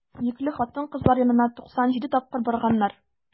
Йөкле хатын-кызлар янына 97 тапкыр барганнар.